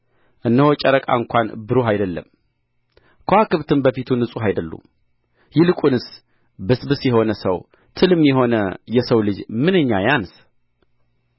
እነሆ ጨረቃ እንኳ ብሩህ አይደለም ከዋክብትም በፊቱ ንጹሐን አይደሉም ይልቁንስ ብስብስ የሆነ ሰው ትልም የሆነ የሰው ልጅ ምንኛ ያንስ